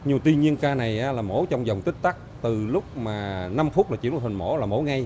nhiều tuy nhiên ca này là á mỗi trong vòng tích tắc từ lúc mà năm phút là chuỷn vô phòng mỗ là mỗ ngay